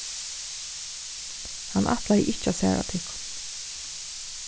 hann ætlaði ikki at særa tykkum